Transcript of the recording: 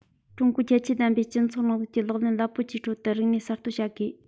ཀྲུང གོའི ཁྱད ཆོས ལྡན པའི སྤྱི ཚོགས རིང ལུགས ཀྱི ལག ལེན རླབས པོ ཆེའི ཁྲོད དུ རིག གནས གསར གཏོད བྱ དགོས